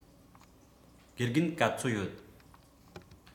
དགེ རྒན ག ཚོད ཡོད